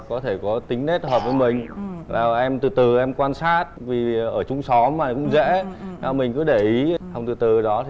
có thể có tính nết hợp với mình vào em từ từ em quan sát vì ở chung xóm mà cũng dễ sau mình cứ để ý sau từ từ đó